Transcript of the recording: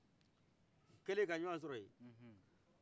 u kɛle ye ka ɲɔgɔn sɔrɔye